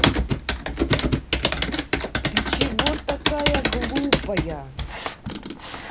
ты чего такая глупая